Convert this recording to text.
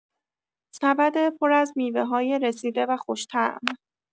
سبد پر از میوه‌های رسیده و خوش‌طعم